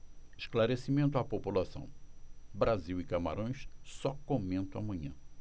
esclarecimento à população brasil e camarões só comento amanhã